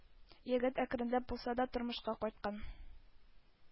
Егет әкренләп булса да тормышка кайткан.